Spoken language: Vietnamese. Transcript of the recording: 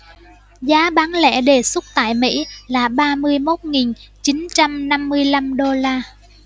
giá bán lẻ đề xuất tại mỹ là ba mươi mốt nghìn chín trăm năm mươi lăm đô la